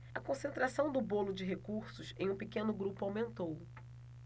a concentração do bolo de recursos em um pequeno grupo aumentou